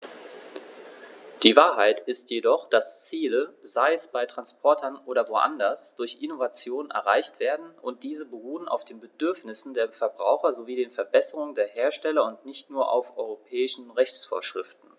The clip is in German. Die Wahrheit ist jedoch, dass Ziele, sei es bei Transportern oder woanders, durch Innovationen erreicht werden, und diese beruhen auf den Bedürfnissen der Verbraucher sowie den Verbesserungen der Hersteller und nicht nur auf europäischen Rechtsvorschriften.